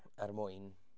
Er mwyn...